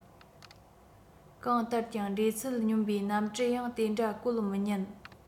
གང ལྟར ཀྱང འགྲོས ཚད སྙོམ པའི གནམ གྲུ ཡང དེ འདྲ བཀོད མི ཉན